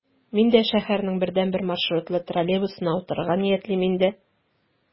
Мин дә шәһәрнең бердәнбер маршрутлы троллейбусына утырырга ниятлим инде...